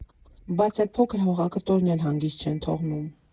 Բայց այդ փոքր հողակտորն էլ հանգիստ չեն թողնում։